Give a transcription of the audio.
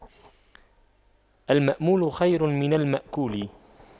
المأمول خير من المأكول